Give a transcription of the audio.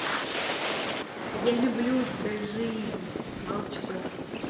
я люблю тебя жизнь волчков